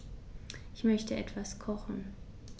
Ich möchte etwas kochen.